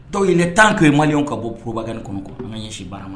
Dɔw ye tan tune mali ka bɔ pba nin kɔnɔ ko ɲɛsin baara ma